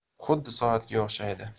xuddi soatga o'xshaydi